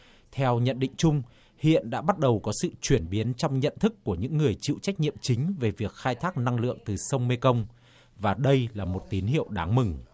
theo nhận định chung hiện đã bắt đầu có sự chuyển biến trong nhận thức của những người chịu trách nhiệm chính về việc khai thác năng lượng từ sông mê công và đây là một tín hiệu đáng mừng